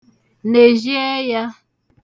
nezhi ẹyā